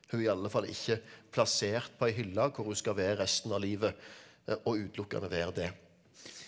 hun er i alle fall ikke plassert på en hylle hvor hun skal være resten av livet og utelukkende være det.